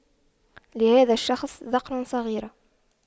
لهذا الشخص ذقن صغيرة